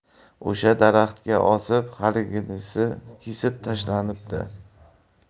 o'sha daraxtga osib haligisi kesib tashlanibdi